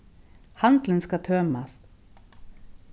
handilin skal tømast